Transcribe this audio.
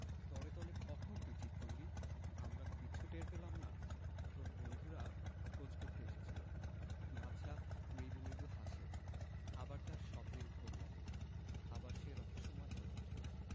তলে তলে কখন তুই ঠিক করলি আমরা কিচ্ছু টের পেলাম না তোর বন্ধুরা খোঁজ করতে এসেছিলো বাদশা মৃদু মৃদু হাসে আবার তার স্বপ্নের ঘোর লাগে আবার সে রহস্যময় হয়ে উঠে